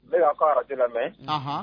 Ne y'aw ka radio lamɛn, anhan.